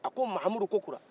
a ko mamudu ko kura